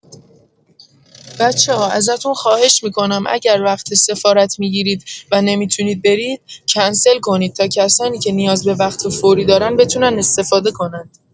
بچه‌ها ازتون خواهش می‌کنم اگر وقت سفارت می‌گیرید و نمی‌تونید برید، کنسل کنید تا کسانی که نیاز به وقت فوری دارن بتونن استفاده کنند.